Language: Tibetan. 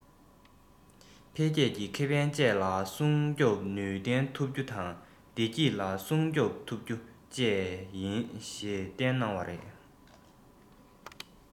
འཕེལ རྒྱས ཀྱི ཁེ ཕན བཅས ལ སྲུང སྐྱོབ ནུས ལྡན ཐུབ རྒྱུ དང བདེ སྐྱིད ལ སྲུང སྐྱོབ ཐུབ རྒྱུ བཅས ཡིན ཞེས བསྟན གནང བ རེད